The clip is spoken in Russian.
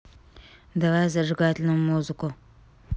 давай зажигательную музыку